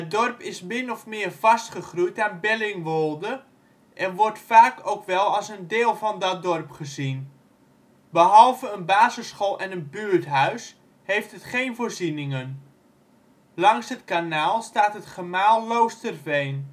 dorp is min of meer vastgegroeid aan Bellingwolde, en wordt vaak ook wel als deel van dat dorp gezien. Behalve een basisschool en een buurthuis heeft het geen voorzieningen. Langs het kanaal staat het gemaal Loosterveen